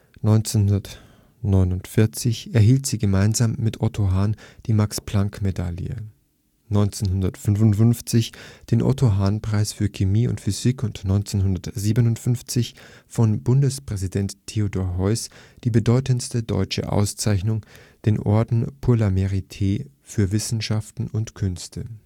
1949 erhielt sie gemeinsam mit Otto Hahn die Max-Planck-Medaille, 1955 den Otto-Hahn-Preis für Chemie und Physik und 1957 von Bundespräsident Theodor Heuss die bedeutendste deutsche Auszeichnung, den Orden Pour le Mérite für Wissenschaften und Künste